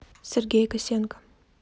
сергей косенко